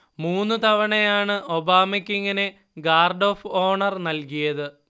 മൂന്ന് തവണയാണ് ഒബാമയ്ക്ക് ഇങ്ങനെ 'ഗാർഡ് ഒഫ് ഓണർ' നൽകിയത്